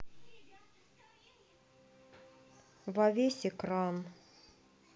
во весь экран